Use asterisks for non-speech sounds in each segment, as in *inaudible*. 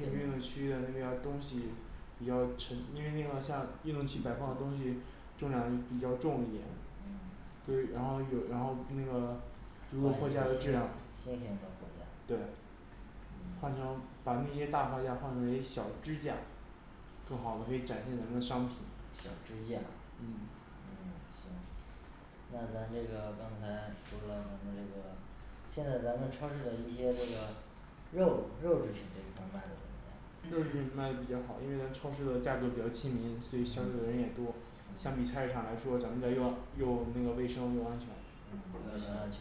运动区域的那边儿东西比较沉，因为那个像运动器摆放的东西重量也比较重一点嗯 *silence* 对。然后有然后那个摆一些新如果货架的质量新型的货架对换成把那些大货架换为小支架更好的可以展现咱们的商品小支架嗯嗯行那咱这个刚才说到咱们这个现在咱们超市的一些这个肉肉质品这一块儿卖的怎么样肉制品卖的比较好，因为咱超市的价格儿比较亲民，所以相对的人嗯也多，相比嗯菜市场来说，咱们这儿又又那个卫生又安全嗯我们是安全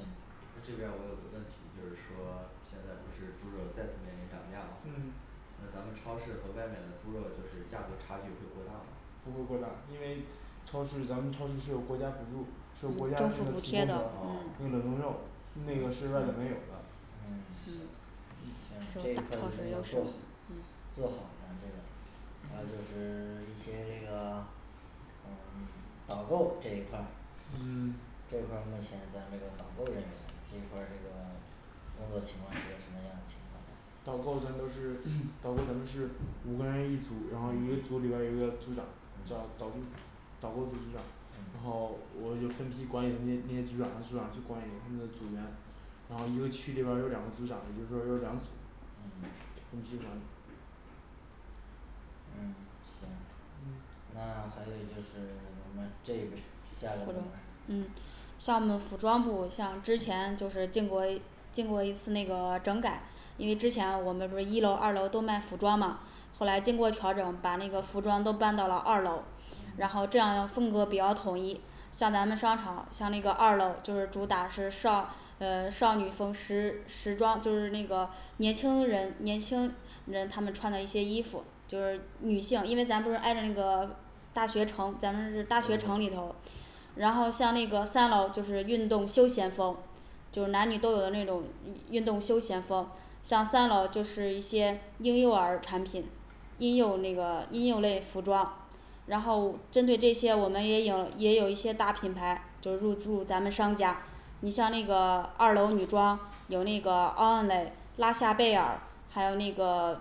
那的这边儿我有个问题，就是说现在不是猪肉再次面临涨价吗嗯那咱们超市和外面的猪肉就是价格差距会过大吗不会过大，因为超市咱们超市是有国家补助是有国家那补个提贴供的的哦 *silence* 那嗯冷冻肉那个是外面没有的嗯 *silence* 嗯行这一块儿一定要做好嗯做好咱们这个还有就嗯是 *silence* 一些这个嗯 *silence* 导购这一块儿嗯 *silence* 这一块儿目前咱这个导购这人员这一块儿这个工作情况是个什么样儿的情况呢导购咱都是导 *crosstalk* 购咱都是五个人一组，然后一个组里边儿有一个组长叫导嗯购，导购组组长，然嗯后我就分批管理那些那些组长，那些组长就管理他们的组员然后一个区里边儿有两个组长，也就是说有两组嗯分批管理嗯行嗯那还有就是 *silence* 我们这边儿服装下一个部门儿嗯像我们服装部像之前就是经过一经过一次那个整改，因为之前我们不是一楼二楼都卖服装嘛后来经过调整把那个服装都搬到了二楼，然后这样风格比较统一，像咱们商场像那个二楼就是主打是少呃少女风时时装，就是那个年轻人年轻人，他们穿的一些衣服，就是女性，因为咱不是挨着那个大学城咱们是大学城里对头，然后像那个三楼就是运动休闲风就是男女都有的那种运运动休闲风，像三楼就是一些婴幼儿产品，婴幼那个婴幼类服装然后针对这些我们也有也有一些大品牌就是入驻咱们商家，你像那个二楼女装有那个Only拉夏贝尔，还有那个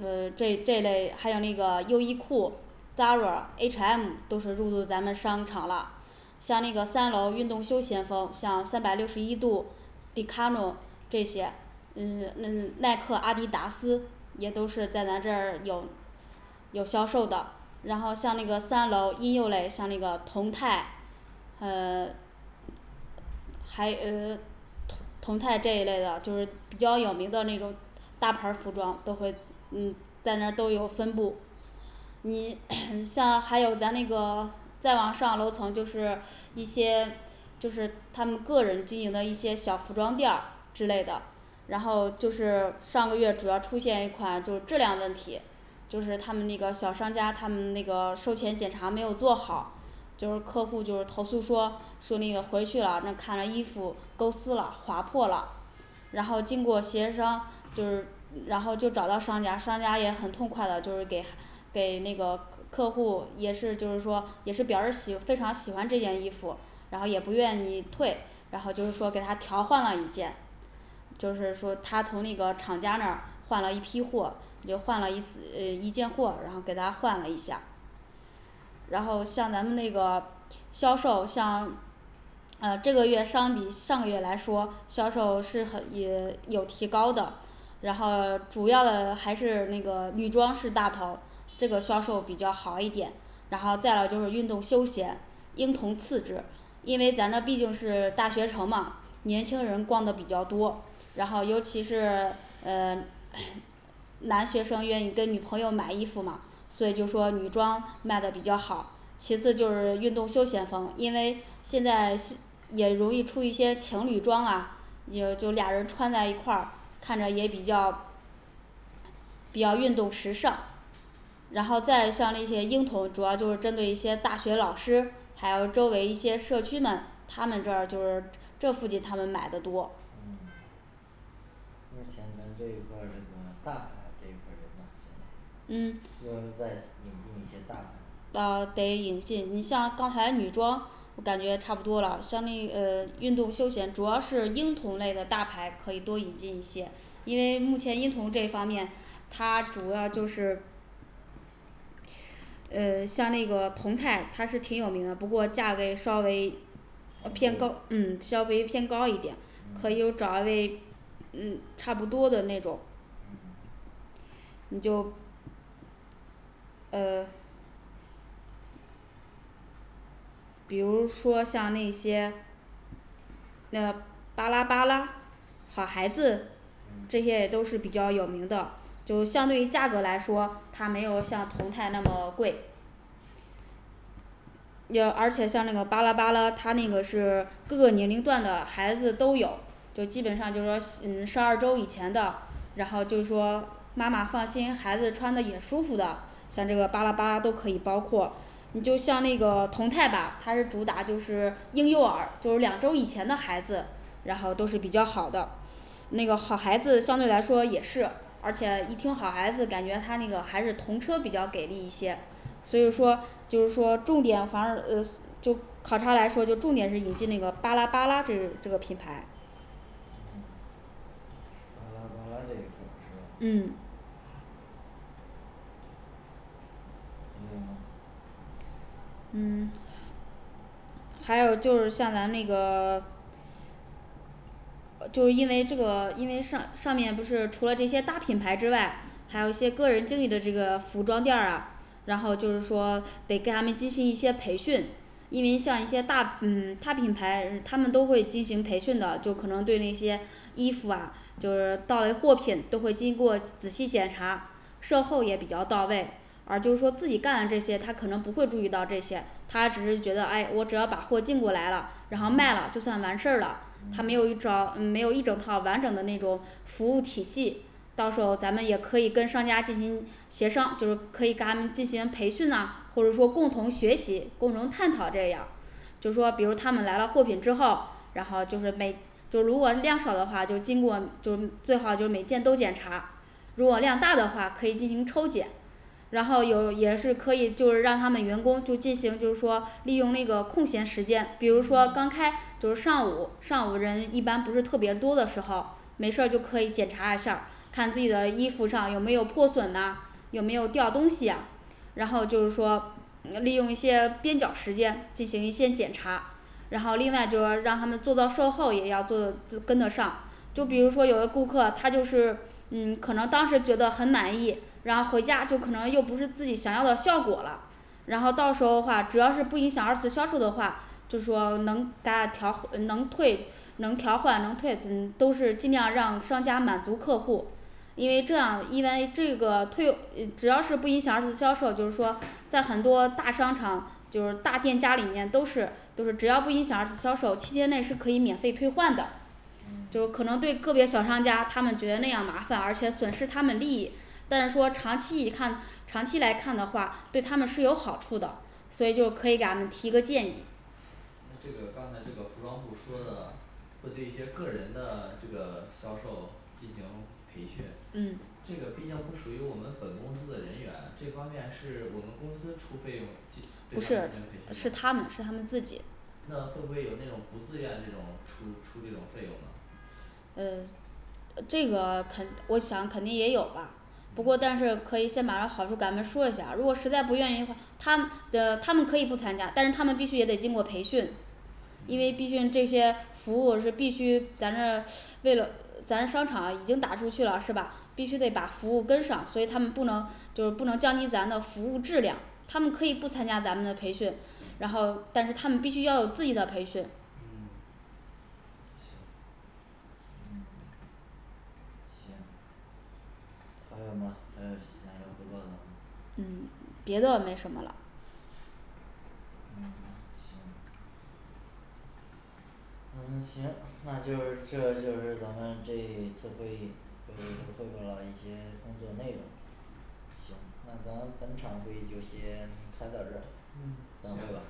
呃 *silence* 这这类还有那个优衣库、Java、H M都是入驻咱们商场了，像那个三楼运动休闲风像三百六十一度迪卡侬这些嗯 *silence* 嗯耐克、阿迪达斯也都是在咱这儿有有销售的，然后像那个三楼婴幼类像那个童泰呃 *silence* 还呃 *silence* 童泰这一类的，就是比较有名的那种大牌儿服装都会嗯在那儿都有分布。 你 *crosstalk* 像还有咱那个再往上楼层就是那些就是他们个人经营的一些小服装店儿之类的然后就是上个月主要出现一款就是质量问题，就是他们那个小商家他们那个售前检查没有做好就是客户儿就是投诉说说那个回去了，她看衣服钩丝了划破了，然后经过协商就是然后就找到商家商家也很痛快的就是给给那个客户，也是就是说也是表示喜非常喜欢这件衣服，然后也不愿意退嗯，然后就说给他调换了一件就是说他从那个厂家那儿换了一批货，又换了一次 *unintelligible* 呃一件货，然后给他换了一下然后像咱们那个销售，像呃这个月相比上个月来说销售是很也有提高的，然后主要的还是那个女装是大头儿这个销售比较好一点，然后再有就是运动休闲，婴童次之因为咱这毕竟是大学城嘛年轻人逛的比较多，然后尤其是呃 *silence* 男学生愿意跟女朋友买衣服嘛，所以就说女装卖得比较好。其次就是运动休闲风，因为现在也容易出一些情侣装啊你也就两人儿穿在一块儿，看着也比较比较运动时尚然后再有像那些婴童，主要就是针对一些大学老师，还有周围一些社区们，他们这儿就是这附近他们买的多嗯 *silence* 目前咱这一块儿有什么大牌儿这一块儿有吗用嗯 *silence* 不用再引进一些大牌儿呃得引进你像刚才女装我感觉差不多了，像那呃运动休闲主要是婴童类的大牌可以多引进一些。因为目前婴童这方面它主要就是呃 *silence* 像那个童泰他是挺有名的，不过价位稍微偏高贵嗯稍微偏高一点，可以嗯找那嗯差不多的那种嗯 *silence* 你就呃 *silence* 比如说像那些那个巴拉巴拉好孩子这些也嗯都是比较有名的就相对于价格儿来说它没有像童泰那么贵有而且像那个巴拉巴拉它那个是各个年龄段的孩子都有，就基本上就是说嗯十二周以前的，然后就是说妈妈放心，孩子穿得也舒服的，像这个巴拉巴拉都可以包括你就像那个童泰吧它是主打就是婴幼儿就两周儿以前的孩子，然后都是比较好的那个好孩子相对来说也是，而且一听好孩子感觉它那个还是童车比较给力一些所以说就是说重点反而呃就考察来说，就重点是引进那个巴拉巴拉这个这个品牌嗯 *silence* 巴拉巴拉这一块儿是嗯吧还有吗嗯 *silence* 还有就是像咱那个 *silence* 呃就因为这个因为上上面不是除了这些大品牌之外，还有一些个人经营的这个服装店儿啊然后就是说得给他们进行一些培训，因为像一些大嗯 *silence* 大品牌他们都会进行培训的，就可能对那些衣服啊就是到的货品都会经过仔细检查售后也比较到位，而就是说自己干的这些，他可能不会注意到这些，他只是觉得诶我只要把货进过来了，然后卖了嗯就算完事儿了，他没有找嗯没有一整套完整的那种服务体系到时候咱们也可以跟商家进行协商，就是可以跟他们进行培训呢，或者说共同学习共同探讨这样就是说比如他们来了货品之后，然后就是每就是如果量少的话，就经过就是最好就是每件都检查如果量大的话可以进行抽检然后有也是可以就是让他们员工就进行就是说利用那个空闲时间，比如说刚嗯开就是上午上午的人一般不是特别多的时候儿，没事儿就可以检查一下儿，看自己的衣服上有没有破损呢，有没有掉东西呀然后就是说呃利用一些边角时间进行一些检查然后另外就是让他们做到售后也要做的跟跟得上就比如说有嗯的顾客他就是嗯可能当时觉得很满意，然后回家就可能又不是自己想要的效果啦然后到时候的话只要是不影响二次销售的话，就说能给他调能退、能调换能退嗯 *silence* 都是尽量让商家满足客户因为这样因为这个退呃只要是不影响二次销售，就是说在很多大商场就是大店家里面都是都是只要不影响二次销售，七天内是可以免费退换的嗯就 *silence* 可能对个别小商家他们觉得那样麻烦，而且损失他们利益但是说长期一看长期来看的话对他们是有好处的，所以就可以给他们提个建议那这个刚才这个服装部说的，会对一些个人的这个销售进行培训嗯这个毕竟不属于我们本公司的人员，这方面是我们公司出费用进对不他们是进行是他们培训吗是他们自己那会不会有那种不自愿这种出出这种费用呢呃呃这个肯我想肯定也有吧不过，但是嗯可以先把这好处赶快说一下儿，如果实在不愿意，他们的他们可以不参加，但是他们必须也得经过培训因为嗯毕竟这些服务是必须咱的为了咱商场已经打出去了是吧？必须得把服务跟上，所以他们不能就不能降低咱的服务质量他们可以不参加咱们的培训，然嗯后但是他们必须要有自己的培训嗯行嗯 *silence* 行还有吗？还有想要汇报的吗嗯别的没什么啦嗯 *silence* 行嗯行那就是这就是咱们这次会议都已经汇报了一些工作内容行，那咱本场会议就先开到这儿嗯散行会行吧